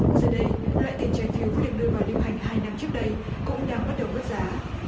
giờ đây loại tiền trái phiếu vừa được đưa vào lưu hành hai năm trước đây cũng đang bắt đầu mất giá